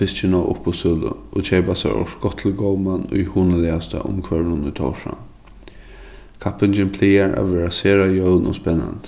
fiskin á uppboðssølu og keypa sær okkurt gott til góman í hugnaligasta umhvørvinum í tórshavn kappingin plagar at vera sera jøvn og spennandi